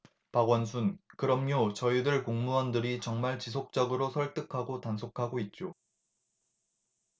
박원순 그럼요 저희들 공무원들이 정말 지속적으로 설득하고 단속하고 있죠